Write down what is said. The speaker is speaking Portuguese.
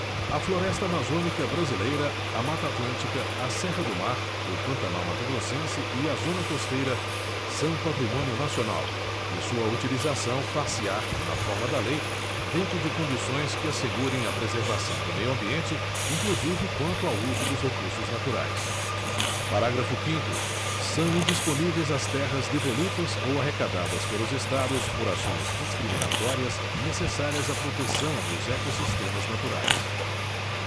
a floresta amazônica brasileira a mata atlântica a serra do mar o pantanal mato grossense e a zona costeira são patrimônio nacional e sua utilização far se á na forma da lei dentro de condições que assegurem a preservação do meio ambiente inclusive quanto ao uso dos recursos naturais parágrafo quinto são indisponíveis as terras devolutas ou arrecadadas pelos estados por ações discriminatórias necessárias à proteção dos ecossistemas naturais